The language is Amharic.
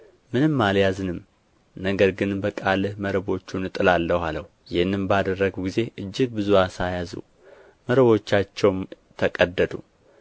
ምንም አልያዝንም ነገር ግን በቃልህ መረቦቹን እጥላለሁ አለው ይህንም ባደረጉ ጊዜ እጅግ ብዙ ዓሣ ያዙ መረቦቻቸውም ተቀደዱ